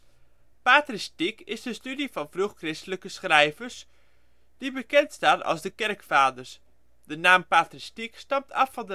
Patristiek is de studie van vroeg-christelijke schrijvers, die bekend staan als de kerkvaders. De naam patristiek stamt af van